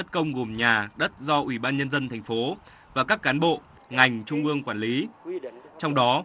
đất công gồm nhà đất do ủy ban nhân dân thành phố và các cán bộ ngành trung ương quản lý trong đó